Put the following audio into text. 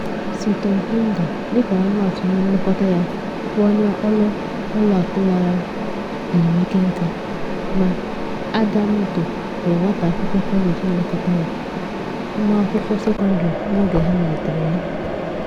Citoyen Hmida, dịka ọmụmaatụ, onye nlekọta ya bụ onye ọrụ ụlọakụ lara ezumike nka; ma Adamito bụ nwata akwụkwọ kọleji na-elekọta ya (nwa akwụkwọ sekọndrị n'oge ha malitere ya).